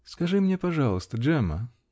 -- Скажи мне, пожалуйста, Джемма.